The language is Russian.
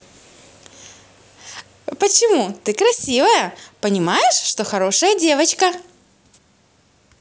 почему ты красивая понимаешь что хорошая девочка